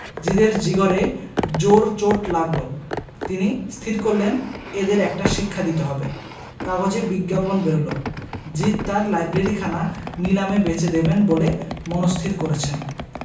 জিদে র জিগরে জোর চোট লাগল তিনি স্থির করলেন এদের একটা শিক্ষা দিতে হবে কাগজে বিজ্ঞাপন বেরল জিদ তাঁর লাইব্রেরিখানা নিলামে বেচে দেবেন বলে মনস্থির করেছেন